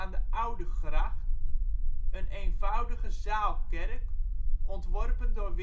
de Oudegracht, een eenvoudige zaalkerk, ontworpen door